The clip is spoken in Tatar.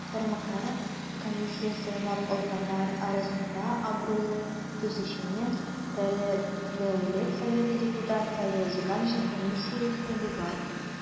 Тармакара комиссия сайлап алганнар арасында абруйлы төзүченең, ТР Дәүләт Советы депутаты Равил Зиганшин компаниясе дә бар.